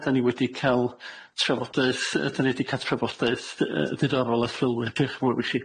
'Dan ni wedi ca'l trafodaeth- yy 'dan ni wedi ca'l trafodaeth d- yy diddorol a thrylwyr, diolch yn fowr i chi.